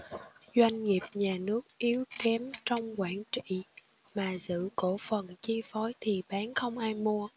doanh nghiệp nhà nước yếu kém trong quản trị mà giữ cổ phần chi phối thì bán không ai mua